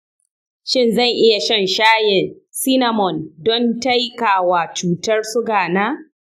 shin zan iya shan shayin cinnamon don taikawa cutar suga na?